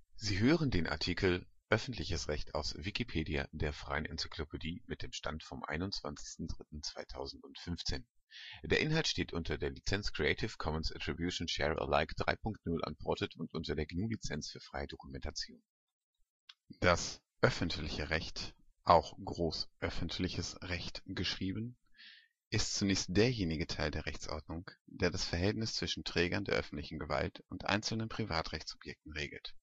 Sie hören den Artikel Öffentliches Recht, aus Wikipedia, der freien Enzyklopädie. Mit dem Stand vom Der Inhalt steht unter der Lizenz Creative Commons Attribution Share Alike 3 Punkt 0 Unported und unter der GNU Lizenz für freie Dokumentation. Dieser Artikel behandelt das öffentliche Recht in Civil-law-Ländern; zu den Common-law-Ländern siehe Public law. Das öffentliche Recht (auch Öffentliches Recht geschrieben) ist zunächst derjenige Teil der Rechtsordnung, der das Verhältnis zwischen Trägern der öffentlichen Gewalt und einzelnen Privatrechtssubjekten regelt